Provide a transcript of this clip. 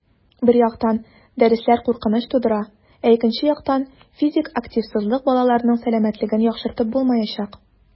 Бер яктан, дәресләр куркыныч тудыра, ә икенче яктан - физик активлыксыз балаларның сәламәтлеген яхшыртып булмаячак.